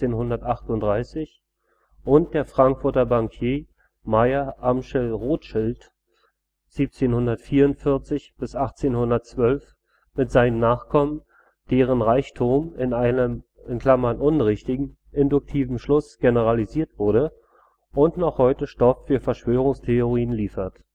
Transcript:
1738) und der Frankfurter Bankier Mayer Amschel Rothschild (1744 – 1812) mit seinen Nachkommen, deren Reichtum in einem (unrichtigen) induktiven Schluss generalisiert wurde und noch heute Stoff für Verschwörungstheorien liefert